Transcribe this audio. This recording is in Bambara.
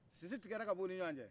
sisi tigɛra ka b'uni ɲɔgɔncɛ